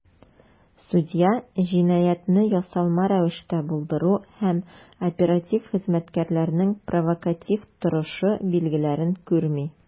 Судья "җинаятьне ясалма рәвештә булдыру" һәм "оператив хезмәткәрләрнең провокатив торышы" билгеләрен күрми.